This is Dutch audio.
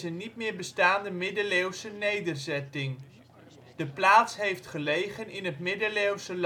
niet meer bestaande middeleeuwse nederzetting. De plaats heeft gelegen in het middeleeuwse